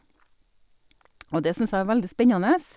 Og det syns jeg er veldig spennende.